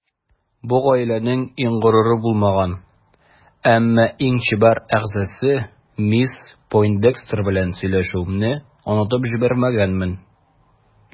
Бу гаиләнең иң горуры булмаган, әмма иң чибәр әгъзасы мисс Пойндекстер белән сөйләшүемне онытып җибәргәнмен.